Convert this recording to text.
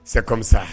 Semi fisa